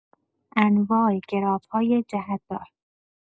انواع گراف‌های جهت‌دار